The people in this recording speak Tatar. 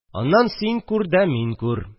– аннан син күр дә мин күр